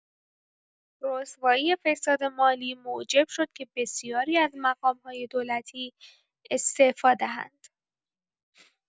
رسوایی فساد مالی موجب شد که بسیاری از مقام‌های دولتی استعفا دهند.